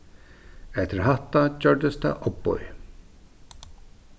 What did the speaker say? eftir hatta gjørdist tað ovboðið